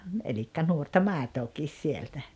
eli nuorta maitoakin sieltä